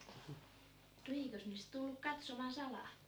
eikös ne sitä tullut katsomaan salaa